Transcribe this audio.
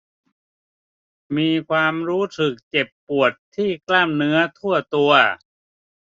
มีความรู้สึกเจ็บปวดที่กล้ามเนื้อทั่วตัว